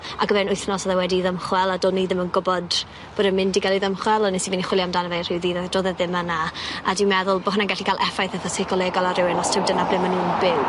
Ag o fewn wythnos o'dd e wedi 'i ddymchwel a do'n i ddim yn gwbod bod e'n mynd i ga'l ei ddymchwel a nes i fyn' i chwilio amdano fe rhyw ddydd a do'dd e ddim yna a dwi'n meddwl bo' hwnna'n gallu ga'l effaith eitha seicolegol ar rywun os taw dyna ble ma' nw'n byw.